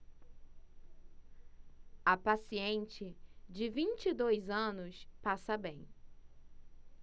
a paciente de vinte e dois anos passa bem